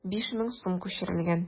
5000 сум күчерелгән.